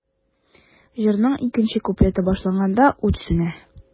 Җырның икенче куплеты башланганда, ут сүнә.